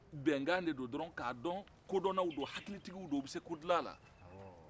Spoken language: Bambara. bɛnkan de don dɔrɔn k'a dɔn kodɔnnaw don hakilitigiw don u bɛ se ko dilan na